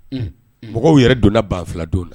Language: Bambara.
Mɔgɔw yɛrɛ donna banula dɔw la